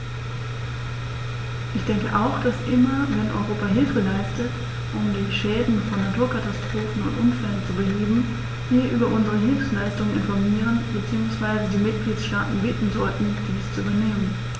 Ich denke auch, dass immer wenn Europa Hilfe leistet, um die Schäden von Naturkatastrophen oder Unfällen zu beheben, wir über unsere Hilfsleistungen informieren bzw. die Mitgliedstaaten bitten sollten, dies zu übernehmen.